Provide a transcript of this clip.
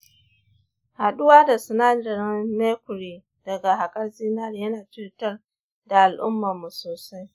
haɗuwa da sinadarin mercury daga haƙar zinari yana cutar da al’ummarmu sosai.